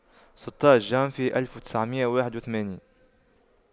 ستة عشر جون في ألف وتسعمئة وواحد وثمانين